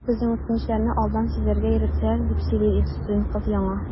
Безне үтенечләрне алдан сизәргә өйрәтәләр, - дип сөйли студент кыз Яна.